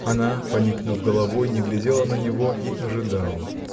Она, поникнув головой, не глядела на него и ожидала.